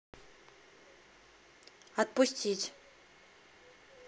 отпустить